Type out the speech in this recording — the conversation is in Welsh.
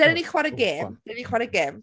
Dere ni chwarae gem. Dere ni chwarae gem .